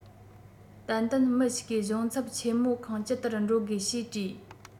ཏན ཏན མི ཞིག གིས གཞུང ཚབ ཆེ མོ ཁང ཅི ལྟར འགྲོ དགོས ཞེས དྲིས